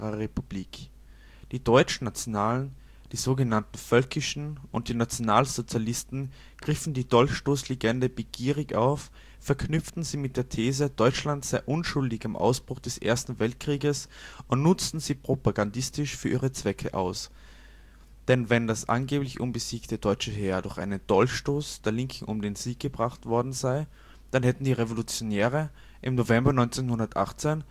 Die Deutschnationalen, die so genannten Völkischen und die Nationalsozialisten griffen die Dolchstoßlegende begierig auf, verknüpften sie mit der These, Deutschland sei unschuldig am Ausbruch des Ersten Weltkrieges und nutzten sie propagandistisch für ihre Zwecke aus. Denn wenn das angeblich unbesiegte deutsche Heer durch einen „ Dolchstoß “der Linken um den Sieg gebracht worden sei, dann hätten die Revolutionäre vom November 1918